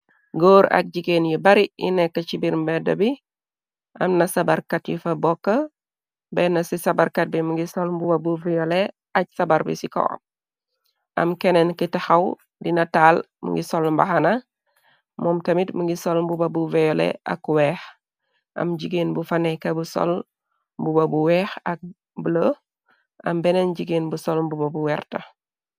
Góor ak jigéen yi bari yi nekk ci bir mbedda bi am na sabarkat yu fa bokk benn ci sabarkat bi mngi sol mbuba bu veyole aj sabar bi ci kowam am keneen kite xaw dina taal mungi sol mbaxana moom tamit mungi sol mbuba bu véyole ak weex am jigéen bu faneka bu sol mbuba bu weex ak blëu am beneen jigeen bu sol mbuba bu werta.